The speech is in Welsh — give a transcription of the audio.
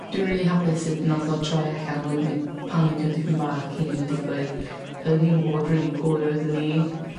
Dwi'n rili hapus sud nath o troi allan oeddwn i panicio dipyn bach cyn i fo digwydd oeddwn i 'im yn gwbod rili pwy oeddwn i